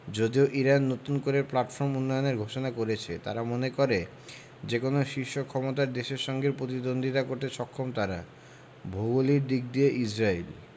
যদিও ইরান নতুন করে প্ল্যাটফর্ম উন্নয়নের ঘোষণা করেছে তারা মনে করে যেকোনো শীর্ষ ক্ষমতার দেশের সঙ্গে প্রতিদ্বন্দ্বিতা করতে সক্ষম তারা ভৌগোলিক দিক দিয়ে ইসরায়েল